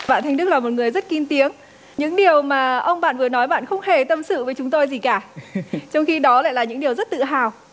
bạn thanh đức là một người rất kín tiếng những điều mà ông bạn vừa nói bạn không hề tâm sự với chúng tôi gì cả trong khi đó lại là những điều rất tự hào